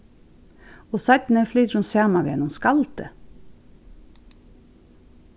og seinni flytur hon saman við einum skaldi